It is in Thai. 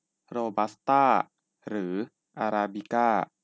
โรบัสต้าหรืออาราบิก้า